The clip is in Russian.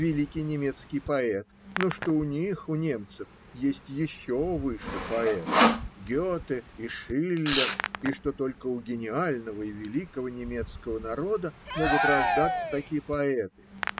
великий немецкий поэт, но что у них, у немцев, есть еще выше поэты, Гёте и Шиллер, и что только у гениального и великого немецкого народа могут рождаться такие поэты.